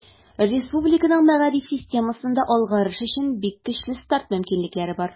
Республиканың мәгариф системасында алгарыш өчен бик көчле старт мөмкинлекләре бар.